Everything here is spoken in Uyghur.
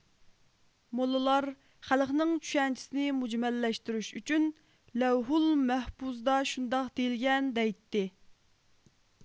موللىلار خەلقنىڭ چۈشەنچىسىنى مۈجمەللەشتۈرۈش ئۈچۈن لەۋھۇلمەھپۇزدا شۇنداق دېيىلگەن دەيتتى